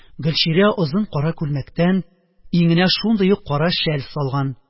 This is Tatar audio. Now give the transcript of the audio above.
Гөлчирә озын кара күлмәктән, иңенә шундый ук кара шәл салган